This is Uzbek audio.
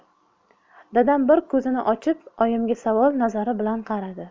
dadam bir ko'zini ochib oyimga savol nazari bilan qaradi